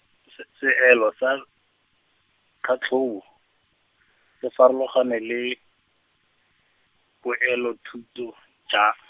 s- seelo sa, tlhatlhobo, se farologana le, poelothuto, jang ?